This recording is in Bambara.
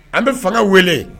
An bɛ fanga wele